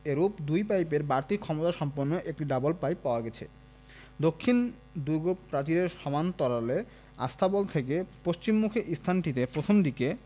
এরূপ দুটি পাইপের বাড়তি ক্ষমতা সম্পন্ন একটি ডাবল পাইপ পাওয়া গেছে দক্ষিণ দুর্গপ্রাচীরের সমান্তরালে আস্তাবল থেকে পশ্চিমমুখি স্থানটিতে প্রথম দিকে